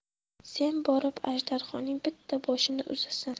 sen borib ajdarhoning bitta boshini uzasan